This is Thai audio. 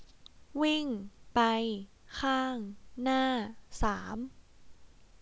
วิ่งไปข้างหน้าสาม